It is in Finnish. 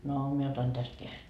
no minä otan tästä -